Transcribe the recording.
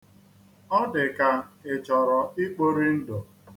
Ọ dị ka ị chọrọ ikpori ndụ.